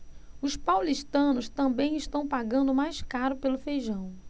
os paulistanos também estão pagando mais caro pelo feijão